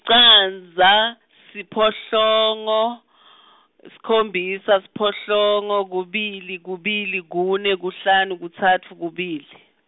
licandza, siphohlongo , sikhombisa, siphohlongo, kubili, kubili, kune, kuhlanu, kutsatfu, kubili.